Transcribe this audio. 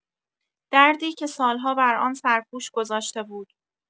دردی که سال‌ها بر آن سرپوش گذاشته بود.